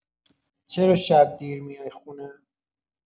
چرا شب دیر میای خونه؟